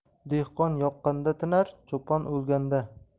dehqon yoqqanda tinar cho'pon o'lganda